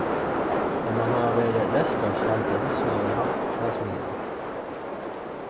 tað man hava verið restorffs handil sum hevur havt ta smiðjuna